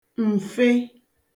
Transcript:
m̀fe